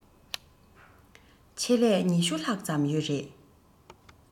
ཆེད ལས ༢༠ ལྷག ཙམ ཡོད རེད